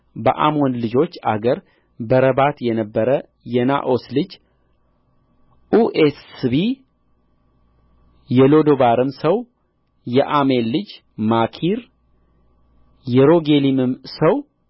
በአሞን ልጆች አገር በረባት የነበረ የናዖስ ልጅ ኡኤስቢ የሎዶባርም ሰው የዓሚኤል ልጅ ማኪር የሮግሊምም ሰው